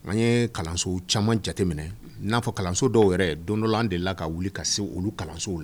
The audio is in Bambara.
An ye kalanso caman jateminɛ n'a fɔ kalanso dɔw yɛrɛ don dɔ an de la ka wuli ka se olu kalansow la